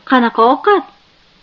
qanaqa ovqat